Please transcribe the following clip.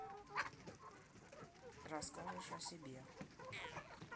расскажешь о себе